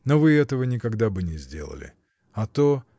Но вы этого никогда бы не сделали. А то.